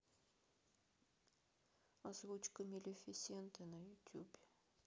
озвучка малефисенты на ютубе